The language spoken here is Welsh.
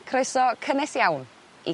croeso cynnes iawn i...